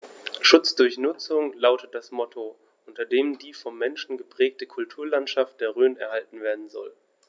„Schutz durch Nutzung“ lautet das Motto, unter dem die vom Menschen geprägte Kulturlandschaft der Rhön erhalten werden soll.